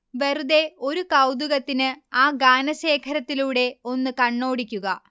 വെറുതെ ഒരു കൗതുകത്തിന് ആ ഗാനശേഖരത്തിലൂടെ ഒന്ന് കണ്ണോടിക്കുക